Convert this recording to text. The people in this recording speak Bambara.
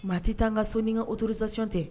Maa tɛ tan n ka soni ka ooursacon tɛ